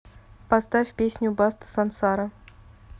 поставь песню басты сансара